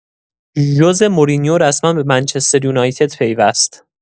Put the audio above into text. ژوزه مورینیو رسما به منچستر یونایتد پیوست.